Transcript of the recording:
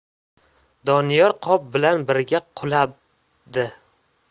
doniyor qop bilan birga qulabdi